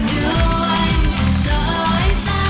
xa